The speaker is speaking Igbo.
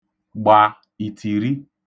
gbà ìtìri